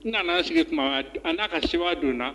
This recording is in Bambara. N nana sigi tuma an n'a ka se don na